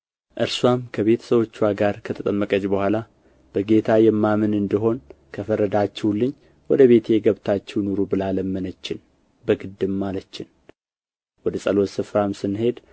እርስዋም ከቤተ ሰዎችዋ ጋር ከተጠመቀች በኋላ በጌታ የማምን እንድሆን ከፈረዳችሁልኝ ወደ ቤቴ ገብታችሁ ኑሩ ብላ ለመነችን በግድም አለችን ወደ ጸሎት ስፍራም ስንሄድ